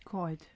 Coed.